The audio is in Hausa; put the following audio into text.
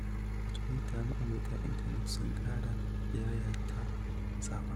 A Tuwita, ma'abota intanet sun ƙara yayata saƙon.